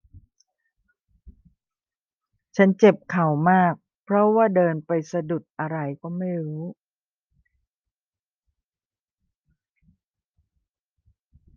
ฉันเจ็บเข่ามากเพราะว่าเดินไปสะดุดอะไรก็ไม่รู้